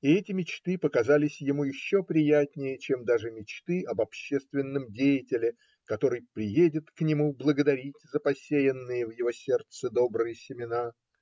И эти мечты показались ему еще приятнее, чем даже мечты об общественном деятеле, который придет к нему благодарить за посеянные в его сердце добрые семена.